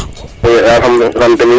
yasam sant miñ